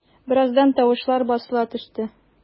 Бераздан тавышлар басыла төште.